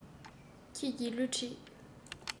ཁྱེད ཀྱི བསླུ བྲིད